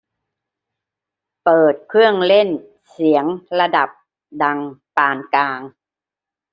เปิดเครื่องเล่นเสียงระดับดังปานกลาง